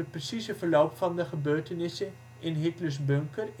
precieze verloop van de gebeurtenissen in Hitlers bunker